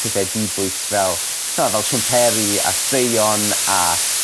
pethe dibwys fel t'o fel siwmperi a straeon a